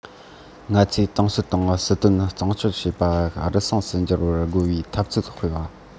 ང ཚོས ཏང སྲོལ དང སྲིད དོན གཙང སྐྱོང བྱེད པ དང རུལ སུངས སུ གྱུར པར རྒོལ བའི འཐབ རྩོད སྤེལ བ